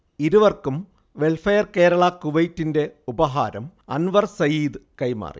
ഇരുവർക്കും വെൽഫെയർ കേരള കുവൈറ്റിന്റെ ഉപഹാരം അൻവർ സയീദ് കൈമാറി